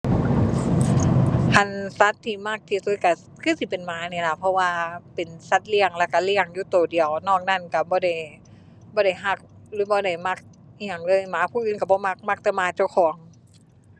คันสัตว์ที่มักที่สุดก็คือสิเป็นหมานี่ล่ะ เพราะว่าเป็นสัตว์เลี้ยงและก็เลี้ยงอยู่ก็เดียว นอกนั้นก็บ่ได้ บ่ได้ก็ หรือบ่ได้มักอิหยังเลย หมาผู้อื่นก็บ่มักมักแต่หมาเจ้าของ